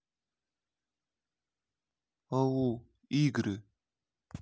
ау игры